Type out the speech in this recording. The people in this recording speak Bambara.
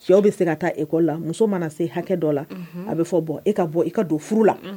Cɛw bɛ se ka taa e kɔ la muso mana se hakɛ dɔ la a bɛ fɔ bɔ e ka bɔ i ka don furu la